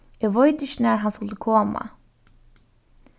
eg veit ikki nær hann skuldi koma